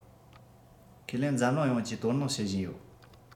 ཁས ལེན འཛམ གླིང ཡོངས ཀྱིས དོ སྣང བྱེད བཞིན ཡོད